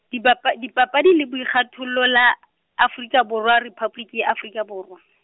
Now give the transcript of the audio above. Dibapa-, Dipapadi le Boikgathollo la a-, Afrika Borwa, Rephaboliki ya Afrika Borwa.